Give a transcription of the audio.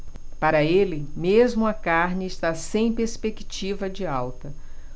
para ele mesmo a carne está sem perspectiva de alta